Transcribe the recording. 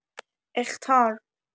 اخطار